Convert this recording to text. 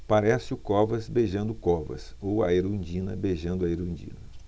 parece o covas beijando o covas ou a erundina beijando a erundina